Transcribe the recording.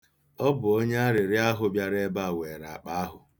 Ọ bụ onye arịrịọ ahụ bịara ebe a were akpa ahụ.